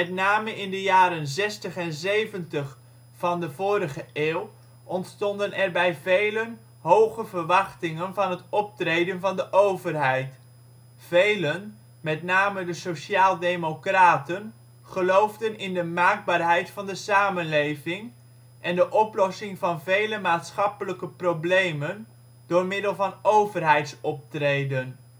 name in de jaren zestig en zeventig van de vorige eeuw bestonden er bij velen hoge verwachtingen van het optreden van de overheid. Velen, met name de sociaal democraten, geloofden in de maakbaarheid van de samenleving en de oplossing van vele maatschappelijke problemen door middel van overheidsoptreden